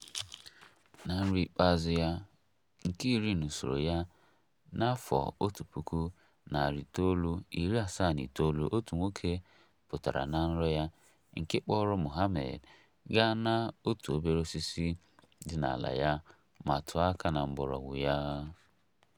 Na nrọ ikpeazụ ya, nke iri n'usoro ya na 1979, otu nwoke pụtara na nrọ ya nke kpọọrọ Mohammed gaa n'otu obere osisi dị n'ala ya ma tụọ aka na mgbọrọgwụ ya.